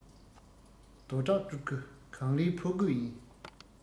རྡོ བྲག སྤྲུལ སྐུ གངས རིའི ཕོ རྒོད ཡིན